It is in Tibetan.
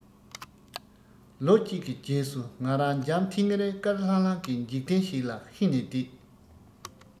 ལོ གཅིག གི རྗེས སུ ང རང འཇམ ཐིང ངེར དཀར ལྷང ལྷང གི འཇིག རྟེན ཞིག ལ ཧད ནས བསྡད